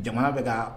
Jamana bɛ taa